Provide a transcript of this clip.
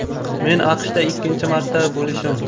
men aqshda ikkinchi marta bo'lishim